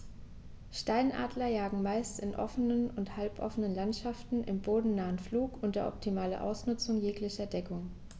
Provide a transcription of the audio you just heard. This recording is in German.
Steinadler jagen meist in offenen oder halboffenen Landschaften im bodennahen Flug unter optimaler Ausnutzung jeglicher Deckung.